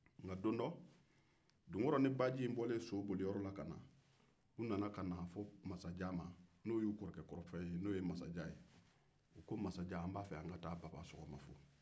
don dɔ doukɔrɔ ni badji bolen soboliyɔrɔ la ko masajan ma k'an b'a fɛ an ka taa baba sɔgɔmafo